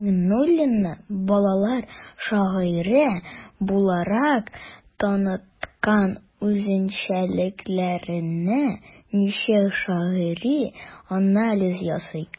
Миңнуллинны балалар шагыйре буларак таныткан үзенчәлекләренә нечкә шигъри анализ ясый.